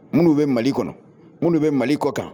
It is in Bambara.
Minnu bɛ mali kɔnɔ minnuu bɛ mali kɔ kan